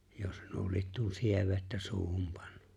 jos nuo lie tuon sievettä suuhun pannut